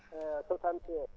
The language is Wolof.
76